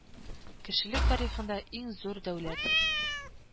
Кешелек тарихында иң зур дәүләт